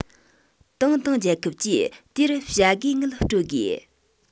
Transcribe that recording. ཏང དང རྒྱལ ཁབ ཀྱིས དེར བྱ དགའི དངུལ སྤྲོད དགོས